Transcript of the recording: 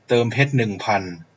เติมเพชรหนึ่งพัน